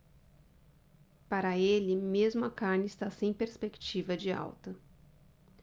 para ele mesmo a carne está sem perspectiva de alta